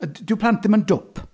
Dyw plant ddim yn dwp.